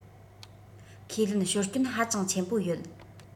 ཁས ལེན ཞོར སྐྱོན ཧ ཅང ཆེན པོ ཡོད